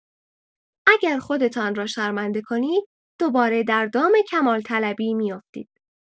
اگر خودتان را شرمنده کنید، دوباره در دام کمال‌طلبی می‌افتید.